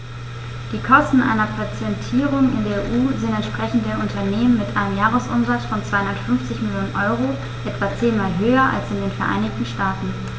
Die Kosten einer Patentierung in der EU sind, entsprechend der Unternehmen mit einem Jahresumsatz von 250 Mio. EUR, etwa zehnmal höher als in den Vereinigten Staaten.